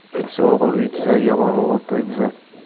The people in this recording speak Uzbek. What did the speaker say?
yaxshi o'g'il uy tuzar yomon o'g'il to'y buzar